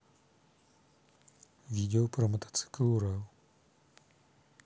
видео про мотоцикл урал